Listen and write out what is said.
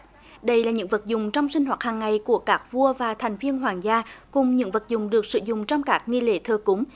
đây là những vật dụng trong sinh hoạt hằng ngày của các vua và thành viên hoàng gia cùng những vật dụng được sử dụng trong các nghi lễ thờ cúng